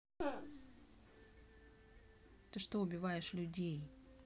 ты что убиваешь людей